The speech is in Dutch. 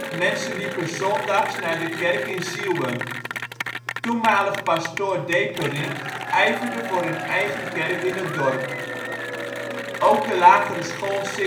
Mensen liepen zondags naar de kerk in Zieuwent. Toenmalig pastoor Deperink ijverde voor een eigen kerk in het dorp. Ook de lagere school St.